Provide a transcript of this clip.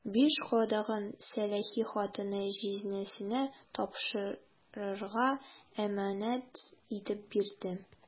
Биш кадагын сәләхи хатыны җизнәсенә тапшырырга әманәт итеп бирде.